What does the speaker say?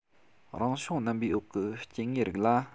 རང བྱུང རྣམ པའི འོག གི སྐྱེ དངོས རིགས ལ